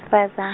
-fazan-.